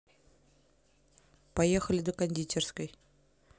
поехали до кондитерской